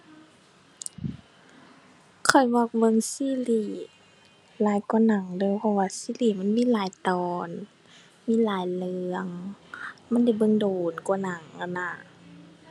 ข้อยมักเบิ่งซีรีส์หลายกว่าหนังเด้อ เพราะว่าซีรีส์มันมีหลายตอน มีหลายเรื่อง มันได้เบิ่งโดนกว่าหนังอะนะ